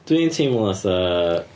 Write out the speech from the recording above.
Dwi'n teimlo fatha...